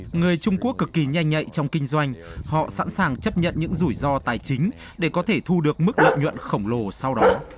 người trung quốc cực kỳ nhanh nhạy trong kinh doanh họ sẵn sàng chấp nhận những rủi ro tài chính để có thể thu được mức lợi nhuận khổng lồ sau đó